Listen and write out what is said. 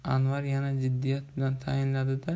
anvar yana jiddiyat bilan tayinladida